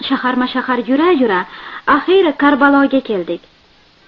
shaharma shahar yura yura axiyri karbaloga keldik